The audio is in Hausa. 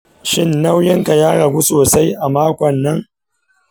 shin nauyinka ka ya ragu sosai a makonnan?